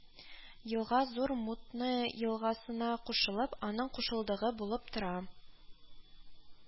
Елга Зур Мутная елгасына кушылып, аның кушылдыгы булып тора